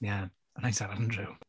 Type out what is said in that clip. Yeah and I said Andrew.